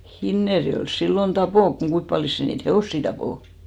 Hinnerjoella silloin tappoi mutta kuinka paljon se niitä hevosia tappoi